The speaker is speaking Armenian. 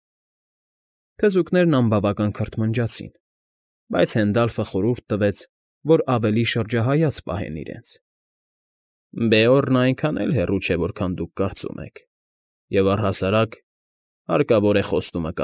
Թզուկներն անբավական քրթմնջացին, բայց Հենդալֆը խորհուրդ տվեց, որ ավելի շրջահայաց պահեն իրենց։ ֊ Բեորնը այնքան էլ հեռու չէ, որքան դուք կարծում եք, և, առհասարակ, հարկավոր է խոստումը։